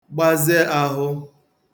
gbaza ahụ̄